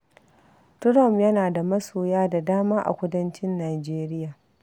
Trump yana da masoya da dama a kudancin Nijeriya.